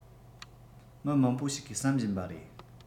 མི མང པོ ཞིག གིས བསམ བཞིན པ རེད